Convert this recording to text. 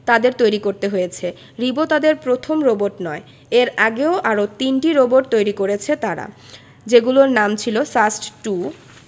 তাদের তৈরি করতে হয়েছে রিবো তাদের প্রথম রোবট নয় এর আগে আরও তিনটি রোবট তৈরি করেছে তারা যেগুলোর নাম ছিল সাস্ট টু